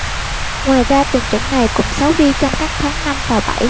ngoài ra tình trạng này cũng xấu đi trong các tháng năm và bảy